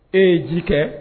Ee ye ji kɛ